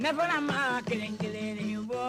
Ne bɔra kelen kelen lebɔ